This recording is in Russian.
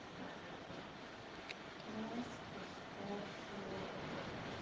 глазки с капсулой